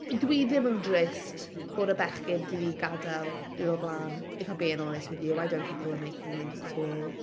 I- dwi ddim yn drist bod y bechgyn 'di gadael. Diwrnod o'r blaen. If I'm being honest with you I don't think they were making moves at all.